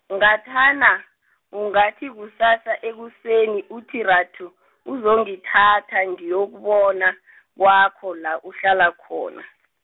ngathana, ungathi kusasa ekuseni uthi rathu, uzongithatha ngiyokubona, kwakho, la uhlala khona.